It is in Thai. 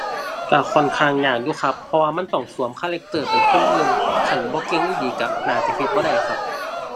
ก็ค่อนข้างยากอยู่ครับ เพราะว่ามันต้องสวมคาแรกเตอร์เป็นคนอื่น คันบ่เก่งอีหลีก็น่าจิเฮ็ดบ่ได้ครับ